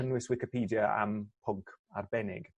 cynnwys wicipedia am pwnc arbennig.